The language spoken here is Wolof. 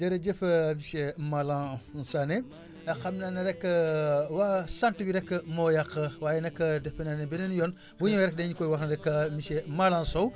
jërëjëf monsieur Malang Sané ndax xam naa ne rek waa sant bi rek moo yàq waaye nag defe naa ne beneen yoon bu ñëwee rek dañu koy wax rek monsieur Malang Sow